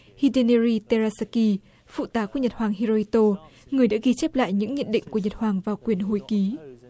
hi đê na ri tê ra xa ki phụ tá của nhật hoàng hi rô hi tô người đã ghi chép lại những nhận định của nhật hoàng vào quyển hồi ký